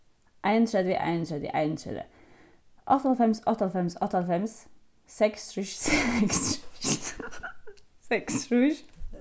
einogtretivu einogtretivu einogtretivu áttaoghálvfems áttaoghálvfems áttaoghálvfems seksogtrýss seksogtrýss